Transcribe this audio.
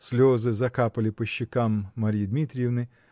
Слезы закапали по щекам Марьи Дмитриевны